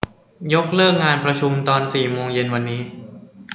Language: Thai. ยกเลิกงานประชุมตอนสี่โมงเย็นวันนี้